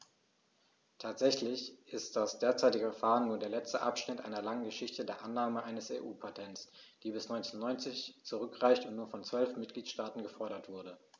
Tatsächlich ist das derzeitige Verfahren nur der letzte Abschnitt einer langen Geschichte der Annahme eines EU-Patents, die bis 1990 zurückreicht und nur von zwölf Mitgliedstaaten gefordert wurde.